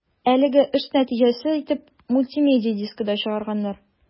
Әлеге эш нәтиҗәсе итеп мультимедия дискы да чыгарганнар.